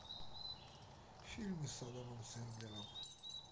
фильмы с адамом сэндлером